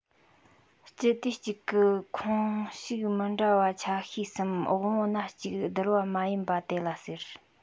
སྤྱི སྡེ གཅིག གི ཁོངས ཞུགས མི འདྲ བ ཆ ཤས སམ དབང པོ སྣ གཅིག བསྡུར བ མ ཡིན པ དེ ལ ཟེར